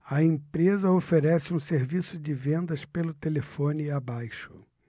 a empresa oferece um serviço de vendas pelo telefone abaixo